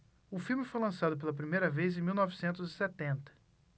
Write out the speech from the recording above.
o filme foi lançado pela primeira vez em mil novecentos e setenta